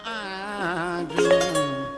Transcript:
Nbagɛnin